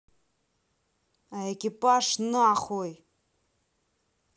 а экипаж нахуй